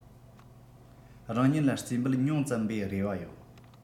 རང ཉིད ལ རྩིས འབུལ ཉུང ཙམ བའི རེ བ ཡོད